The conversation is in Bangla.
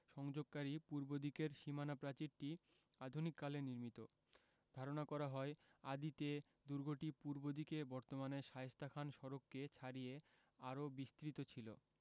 সংযোগকারী পূর্ব দিকের সীমানা প্রাচীরটি আধুনিক কালে নির্মিত ধারণা করা হয় আদিতে দুর্গটি পূর্ব দিকে বর্তমানের শায়েস্তা খান সড়ককে ছাড়িয়ে আরও বিস্তৃত ছিল